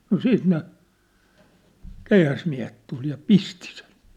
no sitten ne keihäsmiehet tuli ja pisti sen